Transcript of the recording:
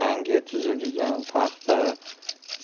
yangi tuzilgan paxta